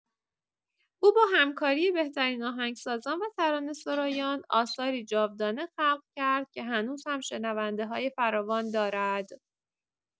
او با همکاری بهترین آهنگسازان و ترانه‌سرایان، آثاری جاودانه خلق کرد که هنوز هم شنونده‌های فراوان دارد.